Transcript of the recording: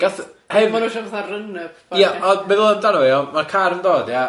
Gath- heb bo' nhw isio fatha run-up Ie... Ond meddyl amdyno fo iawn, ma car yn dod ia?